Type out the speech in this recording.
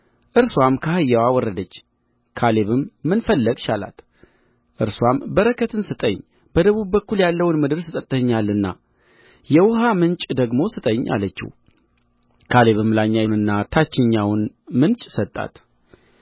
እርስዋም ከአህያዋ ወረደች ካሌብም ምን ፈለግሽ አላት እርስዋም በረከትን ስጠኝ በደቡብ በኩል ያለውን ምድር ሰጥተኸኛልና የውኃ ምንጭ ደግሞ ስጠኝ አለችው ካሌብም ላይኛውንና ታችኛውን ምንጭ ሰጣት